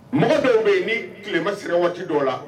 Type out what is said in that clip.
Mɔgɔ dɔw bɛ yen ni tilema sira waati dɔ la